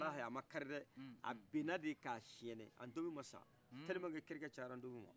walahi a ma kari dai a bina de ka sɛnɛ a ntomi ma sa telma ke kɛrɛkɛ cayara ntomi ma